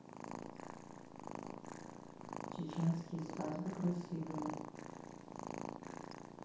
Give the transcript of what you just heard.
чеченские свадьбы красивые